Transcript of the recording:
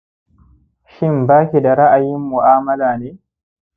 shin baki da ra'ayin mu'amala ne